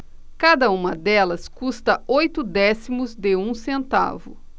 cada uma delas custa oito décimos de um centavo